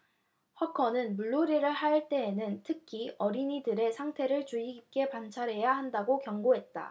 허커는 물놀이를 할 대는 특히 어린이들의 상태를 주의깊게 관찰해야 된다고 경고했다